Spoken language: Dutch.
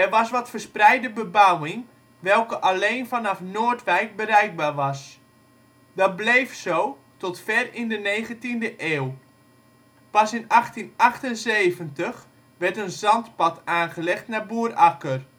was wat verspreide bebouwing, welke alleen vanaf Noordwijk bereikbaar was. Dat bleef zo tot ver in de negentiende eeuw. Pas in 1878 werd een zandpad aangelegd naar Boerakker